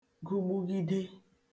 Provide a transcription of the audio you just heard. gụgbughide